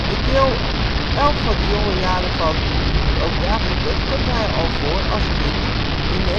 deel XI van De jonge jaren van Oom Dagobert komt hij al voor (als kind) in 1930